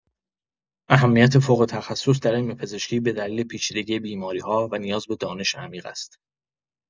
اهمیت فوق‌تخصص در علم پزشکی به دلیل پیچیدگی بیماری‌ها و نیاز به دانش عمیق است.